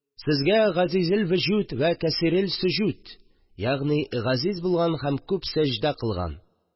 «сезгә газизелвөҗүд вә кәсирелсөҗүд», ягъни газиз булган һәм күп сәҗдә кылган